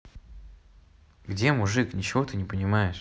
где мужик ничего ты не понимаешь